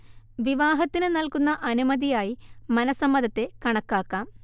വിവാഹത്തിന് നൽകുന്ന അനുമതിയായി മനഃസമ്മതത്തെ കണക്കാക്കാം